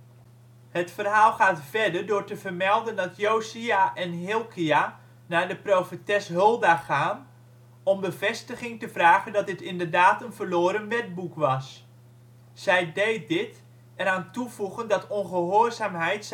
verhaal gaat verder door te vermelden dat Josia en Hilkia naar de profetes Hulda om bevestiging te vragen dat dit inderdaad een verloren wetboek was. Zij deed dit, er aan toevoegend dat ongehoorzaamheid